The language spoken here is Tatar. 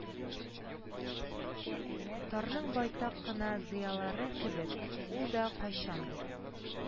Тарның байтак кына зыялылары кебек, ул да кайчандыр